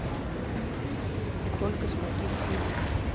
только смотреть фильмы